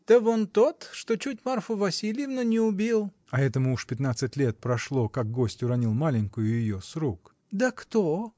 — Да вон тот, что чуть Марфу Васильевну не убил, — а этому уж пятнадцать лет прошло, как гость уронил маленькую ее с рук. — Да кто?